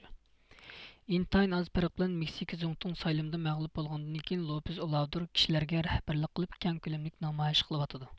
ئىنتايىن ئاز پەرق بىلەن مېكسىكا زۇڭتۇڭ سايلىمىدا مەغلۇپ بولغاندىن كېيىن لوپېز ئوۋلادور كىشىلەرگە رەھبەرلىك قىلىپ كەڭ كۆلەملىك نامايىش قىلىۋاتىدۇ